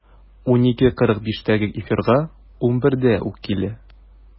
12.45-тәге эфирга 11-дә үк килә.